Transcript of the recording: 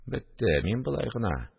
– бетте, мин болай гына